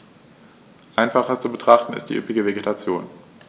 Einfacher zu betrachten ist die üppige Vegetation.